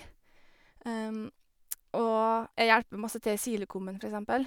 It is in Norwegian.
Og jeg hjelper masse til i silokummen, for eksempel.